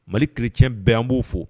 Mali kirec bɛ an b'o fo